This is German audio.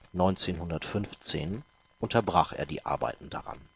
1915 unterbrach er die Arbeiten daran